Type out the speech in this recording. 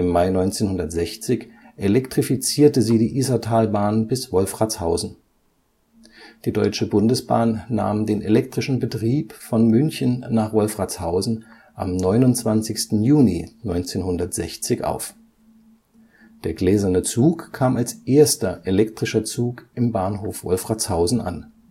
Mai 1960 elektrifizierte sie die Isartalbahn bis Wolfratshausen. Die Deutsche Bundesbahn nahm den elektrischen Betrieb von München nach Wolfratshausen am 29. Juni 1960 auf. Der Gläserne Zug kam als erster elektrischer Zug im Bahnhof Wolfratshausen an